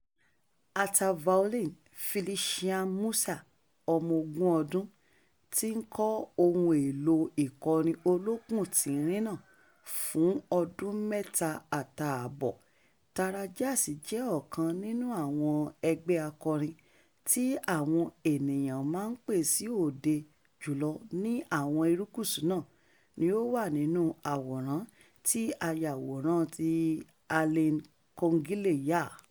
Ata violin, Felician Mussa, ọmọ ogún ọdún, ti ń kọ́ ohun èlò ìkọrin olókùn tín-ín-rín náà fún ọdún mẹ́ta àtààbọ̀; TaraJazz jẹ́ ọ̀kan nínú àwọn ẹgbẹ́ akọrin tí ó àwọn ènìyàn máa ń pè sí òde jù lọ ní àwọn erékùṣù náà, ni ó wà nínú àwòrán tí ayàwòrán tí Aline Coquelle yà: